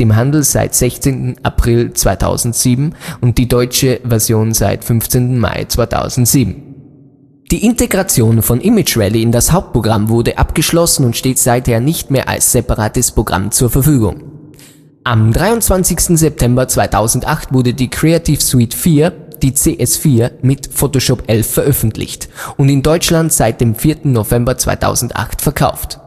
Handel seit 16. April 2007, die deutsche Version seit 15. Mai 2007). Die Intregation von ImageReady in das Hauptprogramm wurde abgeschlossen und steht seither nicht mehr als separates Programm zur Verfügung. Am 23. September 2008 wurde die Creative Suite 4 (CS4) mit Photoshop 11 veröffentlicht und in Deutschland seit dem 4. November 2008 verkauft